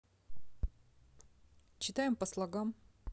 читаем по слогам